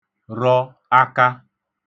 rọ aka